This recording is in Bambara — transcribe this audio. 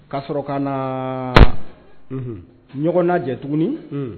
Ka sɔrɔ ka ɲɔgɔnna jate tugun